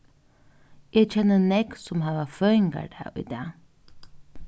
eg kenni nógv sum hava føðingardag í dag